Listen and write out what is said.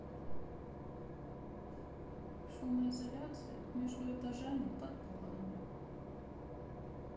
шумоизоляция между этажами под полами